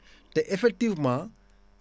te effectivement